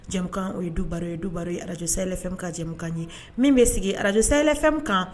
Jamukan o ye duba ye du ye arajlɛfɛn ka jamumukan ye min bɛ sigi arajlɛfɛn kan